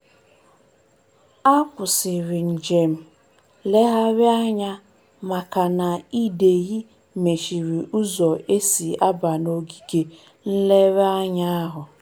A kwụsịrị njem nleghari anya maka na ịdeyị mechiri ụzọ esi aba n'ogige nlere anya ahụ.